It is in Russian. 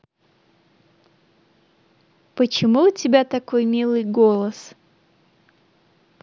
почему у тебя такой милый голос